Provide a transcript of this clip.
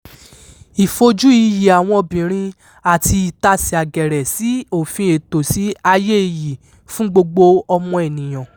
Ìfojú iyì àwọn obìnrin àti ìtasẹ̀ àgẹ̀rẹ̀ sí òfin ẹ̀tọ́ sí ayé iyì fún gbogbo ọmọ ènìyàn.